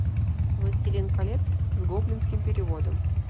властелин колец с гоблинским переводом